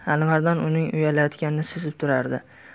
alimardon uning uyalayotganini sezib turardi